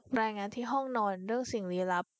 รายงานที่ห้องนอนเรื่องสิ่งลี้ลับ